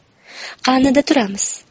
qanida turamiz